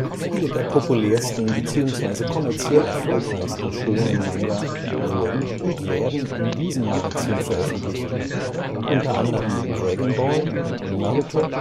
Viele der populärsten bzw. kommerziell erfolgreichsten Shōnen-Manga wurden und werden in diesem Magazin veröffentlicht, unter anderem Dragon Ball, Naruto